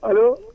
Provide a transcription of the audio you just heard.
allo